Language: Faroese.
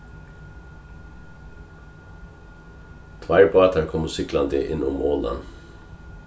tveir bátar komu siglandi inn um molan